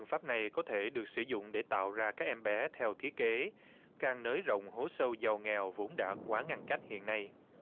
pháp này có thể được sử dụng để tạo ra các em bé theo thiết kế càng nới rộng hố sâu giàu nghèo vốn đã quá ngăn cách hiện nay